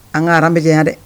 An ka bɛ kɛya dɛ